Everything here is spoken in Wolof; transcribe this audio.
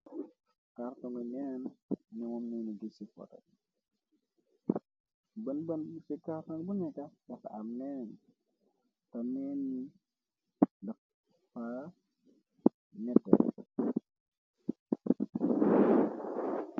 Kartongi nen mom ngee na gis si foto bi, ci kartong bu né dafa am nen te nen yi dafa netteh.